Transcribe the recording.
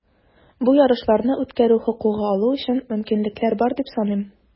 Бу ярышларны үткәрү хокукы алу өчен мөмкинлекләр бар, дип саныйм.